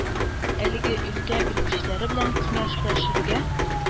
Әлеге өлкә белгечләре белән киңәшләшергә,